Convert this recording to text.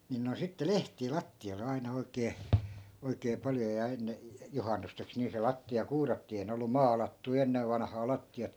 niin noin sitten lehtiä lattioille aina oikein oikein paljon ja ennen juhannukseksi niin se lattia kuurattiin ei ne ollut maalattuja ennen vanhaan lattiat